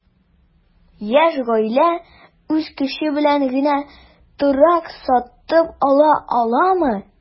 Яшь гаилә үз көче белән генә торак сатып ала аламы?